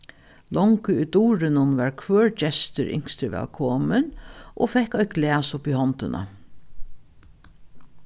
longu í durinum var hvør gestur ynsktur vælkomin og fekk eitt glas upp í hondina